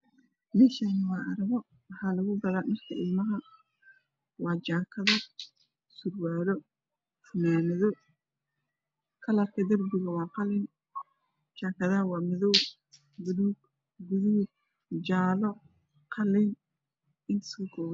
Mashani waa carwo waxaa lagu gadaa dharka caruurta waa jakado iyo surwalo madow dirbiga guriga waa qalin